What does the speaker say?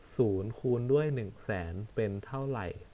ศูนย์คูณด้วยหนึ่งแสนเป็นเท่าไหร่